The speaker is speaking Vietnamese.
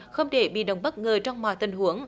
không để bị động bất ngờ trong mọi tình huống